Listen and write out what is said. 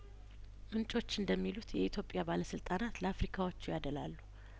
ምንጮች እንደሚሉት የኢትዮጵያ ባለስልጣናት ለአፍሪካዎቹ ያደላሉ